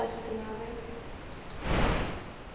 tólvti maður